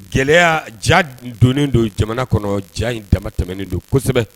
Gɛlɛyaya ja donnen don jamana kɔnɔ ja in dama tɛmɛnen don kosɛbɛ